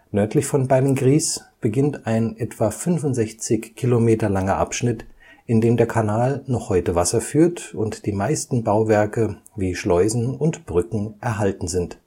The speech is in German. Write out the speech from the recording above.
Nördlich von Beilngries beginnt ein etwa 65 km langer Abschnitt, in dem der Kanal noch heute Wasser führt und die meisten Bauwerke wie Schleusen und Brücken erhalten sind